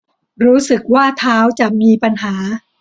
รู้สึกว่าเท้าจะมีปัญหา